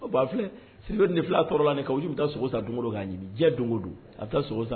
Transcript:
Filɛ sigiyɔrɔ ni fila tɔɔrɔ kan bɛ taa sogo san don kan ɲini jɛ don o don a bɛ taa san